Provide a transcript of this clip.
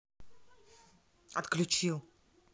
отключил